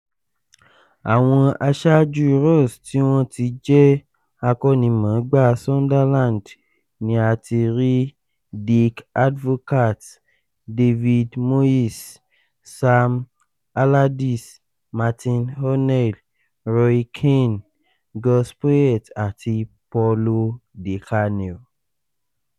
Àwọn àṣáájú Ross tí wọ́n ti jẹ́ akọ́nimọ̀ọ́gbá Sunderland ni a ti rí Dick Advocaat, David Moyes, Sam Allardyce, Martin O'Neill, Roy Keane, Gus Poyet àti Paulo Di Canio.